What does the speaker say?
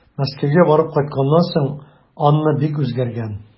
Мәскәүгә барып кайтканнан соң Анна бик үзгәргән.